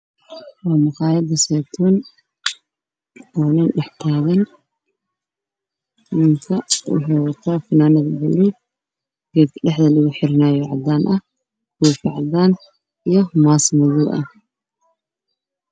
Waa nin ka shaqeynayo meel kushiin ah oo lagu kariyo cuntada biyahani lagu shiido